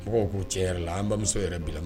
Mɔgɔw'u cɛ yɛrɛ la an bamuso yɛrɛ bila ma